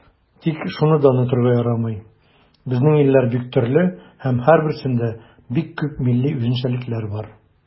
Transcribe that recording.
Тик шуны да онытырга ярамый, безнең илләр бик төрле һәм һәрберсендә бик күп милли үзенчәлекләр бар.